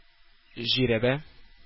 Жирәбә